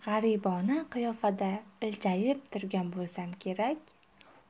g'aribona qiyofada iljayib turgan bo'lsam kerak